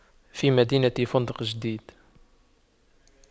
في مدينة فندق جديد